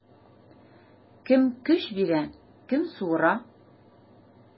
Кем көч бирә, кем суыра.